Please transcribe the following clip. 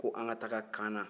ko an ka taga kaana